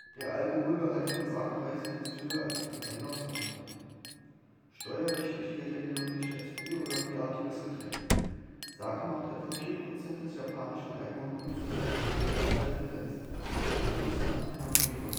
Der Alkoholgehalt von Sake-Reiswein ist höher als von Wein aus Weintrauben. Steuerrechtlich gilt er jedoch nicht als Bier oder bierartiges Getränk. Sake macht etwa 4 % des japanischen Alkoholkonsums aus, mit fallender Tendenz – den größten Anteil haben Biere